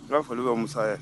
Falenli bɛ musaya ye